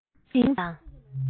སྒྲུང ཐུང བྲིས དང